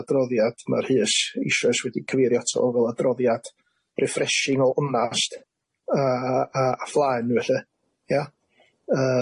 adroddiad ma Rhys eishoes wedi cyfeirio ato fel adroddiad reffreshing o onast a a a phlaen felly ia?